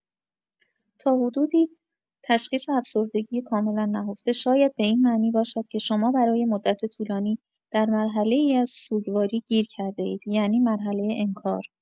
تا حدودی، تشخیص افسردگی کاملا نهفته شاید به این معنی باشد که شما برای مدتی طولانی در مرحله‌ای از سوگواری گیر کرده‌اید، یعنی مرحله انکار.